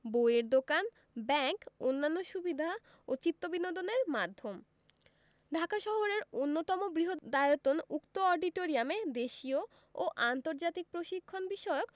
বইয়ের দোকান ব্যাংক অন্যান্য সুবিধা ও চিত্তবিনোদনের মাধ্যম ঢাকা শহরের অন্যতম বৃহদায়তন উক্ত অডিটোরিয়ামে দেশীয় ও আন্তর্জাতিক প্রশিক্ষণ বিষয়ক